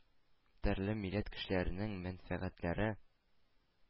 Төрле милләт кешеләренең мәнфәгатьләре